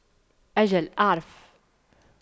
أجل أعرف